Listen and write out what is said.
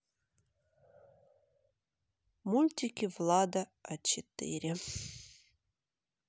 мультики влада а четыре